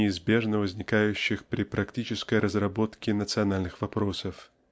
неизбежно возникающих при практической разработке национальных вопросов